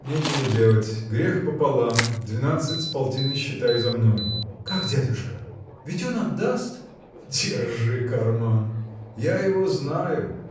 Нечего делать, грех пополам, двенадцать с полтиной считай за мной. – Как, дядюшка, ведь он отдаст? – Держи карман! Я его знаю